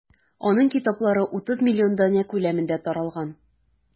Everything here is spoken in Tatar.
Аның китаплары 30 миллион данә күләмендә таралган.